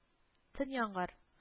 Тын яңгыр